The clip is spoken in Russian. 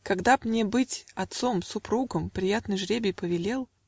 Когда б мне быть отцом, супругом Приятный жребий повелел